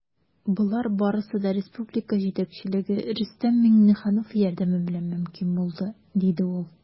Болар барысы да республика җитәкчелеге, Рөстәм Миңнеханов, ярдәме белән мөмкин булды, - диде ул.